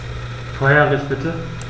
Vorheriges bitte.